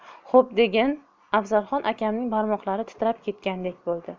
xo'p degin afzalxon akamning barmoqlari titrab ketgandek bo'ldi